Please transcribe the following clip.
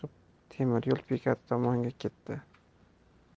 temir yo'l bekati tomonga ketdi